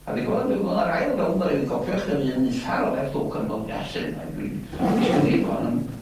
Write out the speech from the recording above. A 'dich weld dwi me'wl yr ail rownd 'na o'n i gopio uffar o left 'ook a'no fo Iesu mae dwi 'di disgynu rŵan.